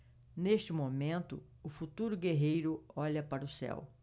neste momento o futuro guerreiro olha para o céu